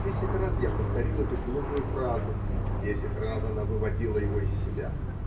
Десять раз я повторил эту глупую фразу и десять раз она выводила его из себя.